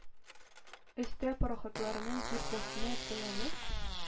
Өстә пароходларның киртәсенә таянып